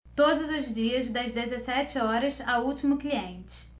todos os dias das dezessete horas ao último cliente